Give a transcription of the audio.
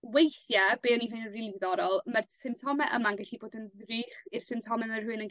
Weithie be' o'n i'n ffino'n rili ddiddorol ma'r symptome yma'n gellu bod yn ddrych i'r symptome ma' rhywun yn